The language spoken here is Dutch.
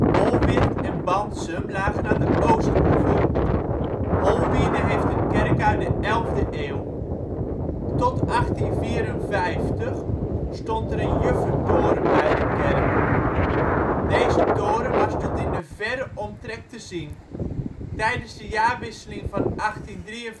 Holwirth en Bansum lagen aan de oostoever. Holwierde heeft een kerk uit de elfde eeuw. Tot 1854 stond er een Juffertoren bij de kerk. Deze toren was tot in de verre omtrek te zien. Tijdens de jaarwisseling van 1853/54